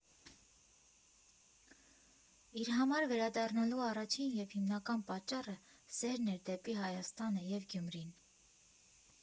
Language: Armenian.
Իր համար վերադառնալու առաջին և հիմնական պատճառը սերն էր դեպի Հայաստանը և Գյումրին։